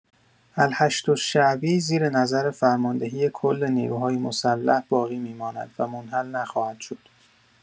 الحشد الشعبی زیر نظر فرماندهی کل نیروهای مسلح باقی می‌ماند و منحل نخواهد شد